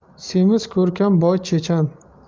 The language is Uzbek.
semiz ko'rkam boy chechan